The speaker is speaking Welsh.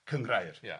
cynghrair. Ia.